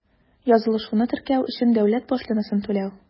Язылышуны теркәү өчен дәүләт пошлинасын түләү.